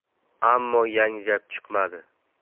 ammo yangi gap chiqmadi